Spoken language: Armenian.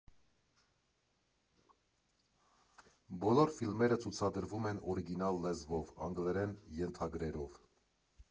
Բոլոր ֆիլմերը ցուցադրվում են օրիգինալ լեզվով, անգլերեն ենթագրերով։